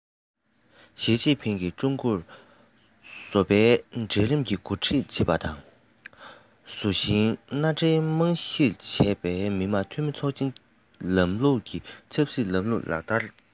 ཞིས ཅིན ཕིང གིས ཀྲུང གོར བཟོ པའི གྲལ རིམ གྱིས འགོ ཁྲིད བྱེད པ དང བཟོ ཞིང མནའ འབྲེལ རྨང གཞིར བྱས པའི མི དམངས འཐུས མི ཚོགས ཆེན ལམ ལུགས ཀྱི ཆབ སྲིད ལམ ལུགས ལག ལེན བསྟར བ